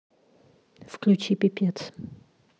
включи пипец